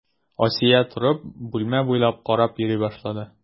Асия торып, бүлмә буйлап карап йөри башлады.